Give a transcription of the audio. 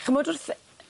Ch'mod wrth yy